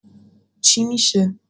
چی می‌شه؟